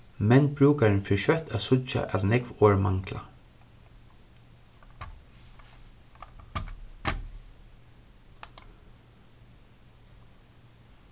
men brúkarin fer skjótt at síggja at nógv orð mangla